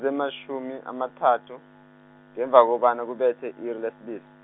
zimatjhumi amathathu, ngemva kobana kubethe i-iri lesibili.